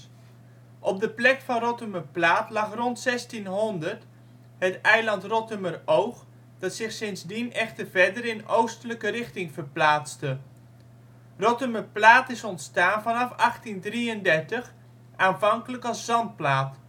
Op de plek van Rottumerplaat lag rond 1600 het eiland Rottumeroog, dat zich sindsdien echter verder in oostelijke richting verplaatste. Rottumerplaat is ontstaan vanaf 1833, aanvankelijk als zandplaat